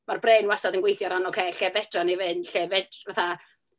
Ma'r brên wastad yn gweithio o ran, ocê, lle fedrwn ni fynd? Lle fed- fatha...